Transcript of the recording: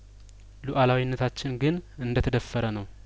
ሉአላዊነታችን ግን እንደተደፈረ ነው